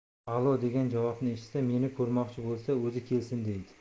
a'lo degan javobni eshitsa meni ko'rmoqchi bo'lsa o'zi kelsin deydi